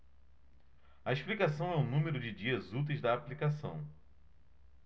a explicação é o número de dias úteis da aplicação